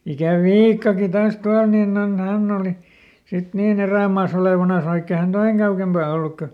ja sitten ikä Viikkakin taas tuolla niin on hän oli sitten niin erämaassa olevinansa vaikka ei hän tuon kauempaa ollut kun